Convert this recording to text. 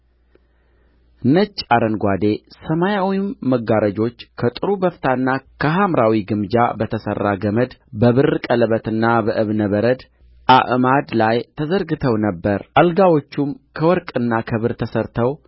ነጭ አረንጓዴ ሰማያዊም መጋረጆች ከጥሩ በፍታና ከሐምራዊ ግምጃ በተሠራ ገመድ በብር ቀለበትና በዕብነ በረድ አዕማድ ላይ ተዘርግተው ነበር አልጋዎቹም ከወርቅና ከብር ተሠርተው